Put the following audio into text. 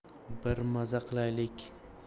bir maza qilaylik